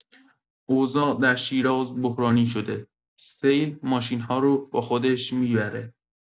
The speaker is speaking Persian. اوضاع در شیراز بحرانی شده، سیل ماشین‌ها رو با خودش می‌بره!